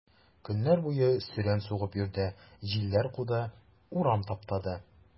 Көннәр буе сөрән сугып йөрде, җилләр куды, урам таптады.